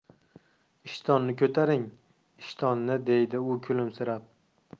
ishtonni ko'taring ishtonni deydi u kulimsirab